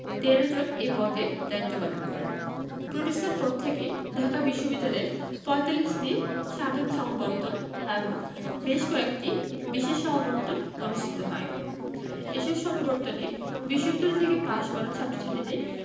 ১৩ জন এ পদে দায়িত্বপালন করেন প্রতিষ্ঠার পর থেকে ঢাকা বিশ্ববিদ্যালয়ে ৪৫টি সাধারণ সমাবর্তন এবং বেশ কয়েকটি বিশেষ সমাবর্তন অনুষ্ঠিত হয় এসব সমাবর্তনে বিশ্ববিদ্যালয় থেকে পাশ করা ছাত্রছাত্রীদের